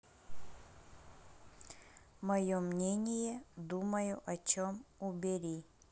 мое мнение думаю о чем убери